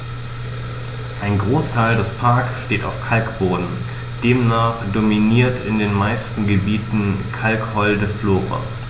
Ein Großteil des Parks steht auf Kalkboden, demnach dominiert in den meisten Gebieten kalkholde Flora.